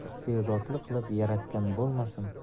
iste'dodli qilib yaratgan bo'lmasin